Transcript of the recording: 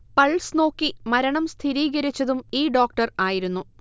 pulse നോക്കി മരണം സ്ഥിരീകരിച്ചതും ഈ ഡോക്ടർ ആയിരുന്നു